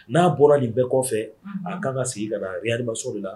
Na bɔra nin bɛɛ kɔfɛ, a kan ka segin ka na réanimation de la.